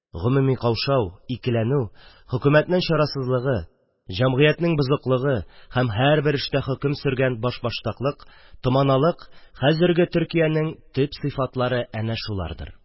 Гомуми каушау, икеләнү, хөкүмәтнең чарасызлыгы, җәмгыятьнең бозыклыгы һәм һәрбер эштә хөкем сөргән башбаштаклык, томаналык – хәзерге Төркиянең төп сыйфатлары әнә шулардыр.